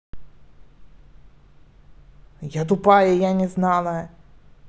я тупая я не знала